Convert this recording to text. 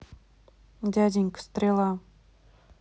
дяденька стрела